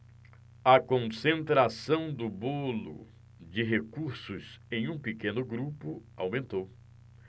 a concentração do bolo de recursos em um pequeno grupo aumentou